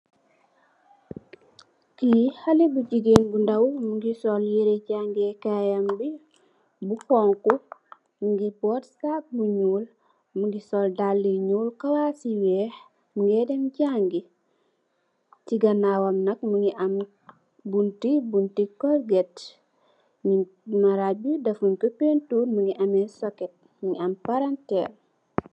Kii hale bu jigeen bu ndaw mingi sol yire jangekaayam bi, bu xonxu, mingi boot sag gu nyuul, mingi sol dalle yu nyuul, kaas yu weex, minge dem jange, si ganaawam nak mingi am bunti, bunti korget, maraaj bi defunj ko pintir, mingi ame soket, mingi am paraanter.